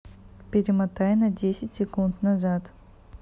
перемотай на десять секунд назад